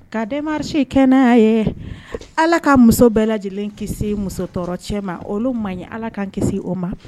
Ka denmasi ye kɛnɛya ye ala ka muso bɛɛ lajɛlen kisi muso dɔgɔtɔrɔ cɛ ma olu ma ɲi ala ka kisi o ma